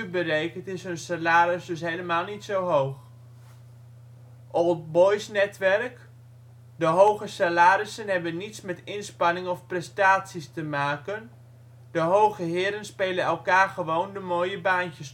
berekend is hun salaris dus helemaal niet zo hoog. " Old-boys netwerk: " De hoge salarissen hebben niets met inspanning of prestaties te maken; de hoge heren spelen elkaar gewoon de mooie baantjes